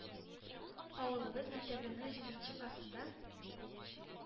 Авылыбыз мәктәбенең җиденче классында